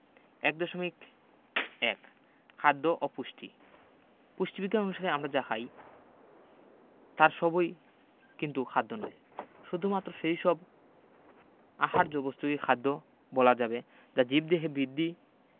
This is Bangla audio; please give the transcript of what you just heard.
১.১ খাদ্য ও পুষ্টি পুষ্টিবিজ্ঞান অনুসারে আমরা যা খাই তার সবই কিন্তু খাদ্য নয় শুধুমাত্র সেই সব আহার্য বস্তুকেই খাদ্য বলা যাবে যা জীবদেহে বিদ্ধি